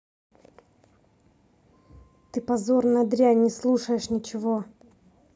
ты позорная дрянь не слушаешь ничего